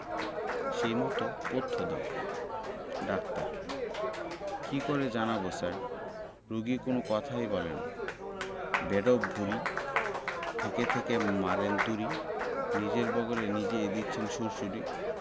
সেই মত পথ্য দাও ডাক্তার কি করে জানব স্যার রোগী কোন কথাই বলে না বেঢপ ভূঁড়ি থেকে থেকে মারেন তুড়ি নিজের বগলে নিজেই দিচ্ছেন সুড়সুড়ি